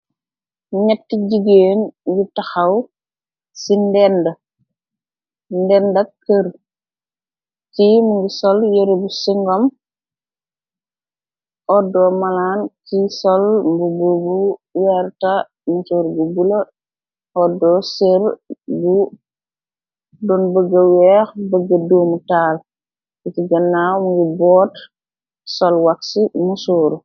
Nyetti jigéen yu taxaw ci benna a kërr ci mu ngi sol yeree bu singom oddo malaan ci sol mbubobu weerta musor bu bula oddo sër bu don bëgge weex bëgga duumu taal di ci gannaaw mngir boot sol wax ci musóoru.